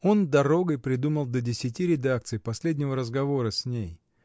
Он дорогой придумал до десяти редакций последнего разговора с ней.